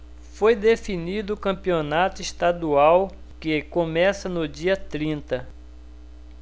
foi definido o campeonato estadual que começa no dia trinta